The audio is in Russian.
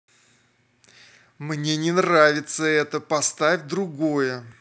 мне не нравится это поставь другое